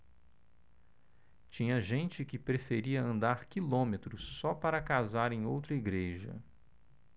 tinha gente que preferia andar quilômetros só para casar em outra igreja